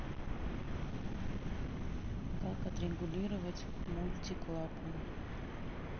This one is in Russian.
как отрегулировать мультиклапан